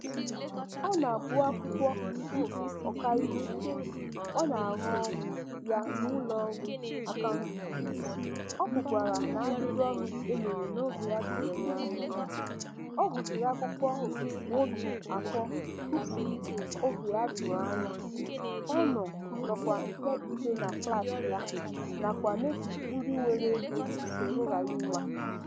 Ka ọ na-agụ akwụkwọ ị bụ ọkàiwu, ọ na-arụ ọrụ ya n'ụlọọrụ akaụntụ, o kwukwara n'ajụjụọnụ e mere n'oge n'adịbeghị anya, ọ gụsịrị akwụkwọ otu afọ tupu oge a tụrụ anya ya, ọ nọ n'ọkwá nke ise na klaasị ya, nakwa n'etiti ụmụ ndị nwere ego nke Roraima.